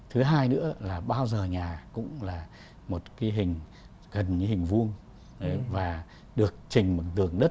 thứ hai nữa là bao giờ nhà cũng là một cái hình hình như hình vuông ấy và được trình một tường đất